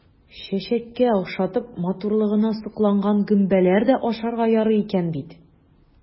Чәчәккә охшатып, матурлыгына сокланган гөмбәләр дә ашарга ярый икән бит!